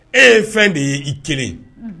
E ye fɛn de ye i kelen ye